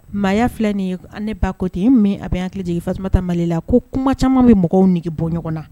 Maaya filɛ nin ye an bako ten min a bɛ anan hakili jigin i tasumasmata mali la ko kuma caman bɛ mɔgɔw nige bɔ ɲɔgɔn na